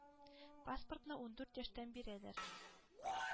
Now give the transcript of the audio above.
– паспортны ундүрт яшьтән бирәләр,